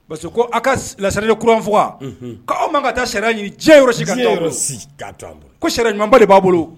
Parce ko aw ka lareliuranug ko aw ma ka taa ɲini diɲɛ si bolo koɲɔgɔnba de b'a bolo